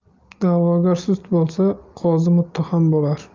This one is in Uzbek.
da'vogar sust bo'lsa qozi muttaham bo'lar